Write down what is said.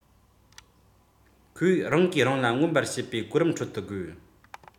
ཁོས རང གིས རང ལ མངོན པར བྱེད པའི གོ རིམ ཁྲོད དུ དགོས